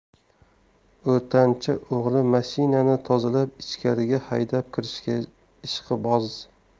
o'rtancha o'g'li mashinani tozalab ichkariga haydab kirishga ishqiboz